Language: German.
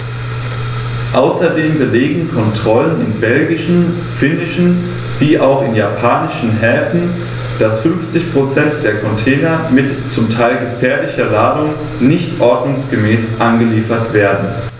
Außerdem belegen Kontrollen in belgischen, finnischen wie auch in japanischen Häfen, dass 50 % der Container mit zum Teil gefährlicher Ladung nicht ordnungsgemäß angeliefert werden.